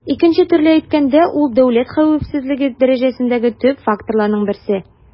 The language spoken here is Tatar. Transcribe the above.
Икенче төрле әйткәндә, ул дәүләт хәвефсезлеге дәрәҗәсендәге төп факторларның берсе.